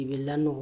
I be lanɔgɔ